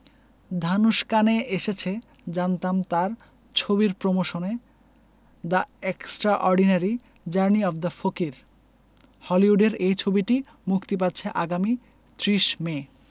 ধানুশ কানে এসেছে জানতাম তার ছবির প্রমোশনে the extraordinary journey of the fakir হলিউডের এই ছবিটি মুক্তি পাচ্ছে আগামী ৩০ মে